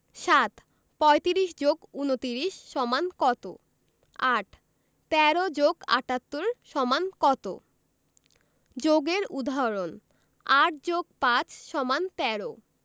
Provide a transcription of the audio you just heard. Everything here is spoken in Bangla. ৭ ৩৫ + ২৯ = কত ৮ ১৩ + ৭৮ = কত যোগের উদাহরণঃ ৮ + ৫ = ১৩